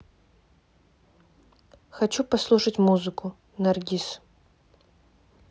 хочу послушать музыку наргиз